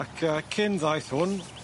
Ac yy cyn ddaeth hwn.